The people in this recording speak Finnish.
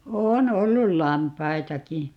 on ollut lampaitakin